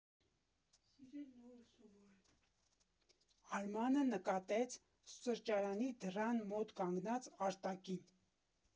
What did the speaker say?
Արմանը նկատեց սրճարանի դռան մոտ կանգնած Արտակին։